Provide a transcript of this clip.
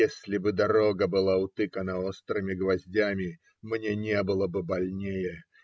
Если бы дорога была утыкана острыми гвоздями, мне не было бы больнее.